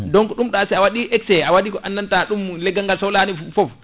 donc ɗumɗa si a waɗi excé a waɗi ko andanta ɗum leggal ngal sohlani foof